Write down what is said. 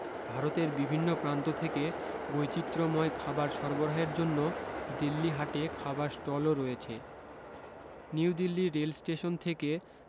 ভারতের বিভিন্ন প্রান্ত থেকে বৈচিত্রময় খাবার সরবরাহের জন্য দিল্লী হাটে খাবার স্টলও রয়েছে নিউ দিল্লী রেলস্টেশন থেকে